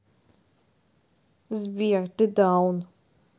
сбер ты даун